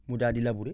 mu daal di labouré